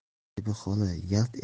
zebi xola yalt